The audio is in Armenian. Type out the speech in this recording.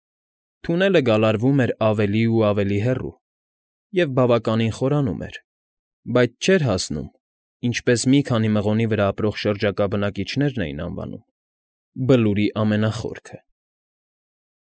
Թունելը գալարվում էր ավելի ու ավելի հեռու և բավականին խորաում էր, բայց չէր հասնում, իչպես մի քանի մղոնի վրա ապրող շրջակա բնակիչներն էին անվանում Բլուրի ամենախորքը։